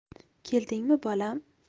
keldingmi bolam